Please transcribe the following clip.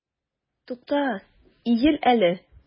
Тукта, иел әле!